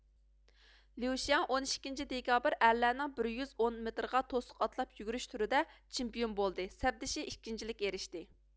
ليۇشياڭ ئون ئىككىنچى دېكابىر ئەرلەرنىڭ بىر يۈز ئون مېتىرغا توسۇق ئاتلاپ يۈگۈرۈش تۈرىدە چېمپىيون بولدى سەپدىشى ئىككىنچىلىككە ئېرىشتى